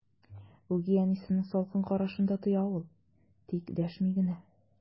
Үги әнисенең салкын карашын да тоя ул, тик дәшми генә.